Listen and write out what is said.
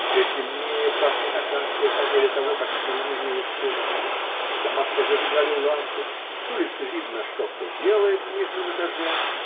Все сильнее пахнет акация по мере того, как сиреневеют сумерки, в домах позажигали лампы, с улицы видно, что кто делает в нижнем этаже.